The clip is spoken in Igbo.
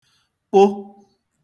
kpụ